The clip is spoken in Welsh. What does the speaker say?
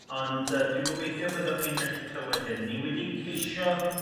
ond yy dwi'n gobeithio byddwch chi'n gallu clywed hyn ni wedi ceisio